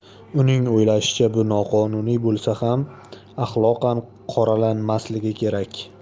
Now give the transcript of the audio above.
uning o'ylashicha bu noqonuniy bo'lsa ham axloqan qoralanmasligi kerak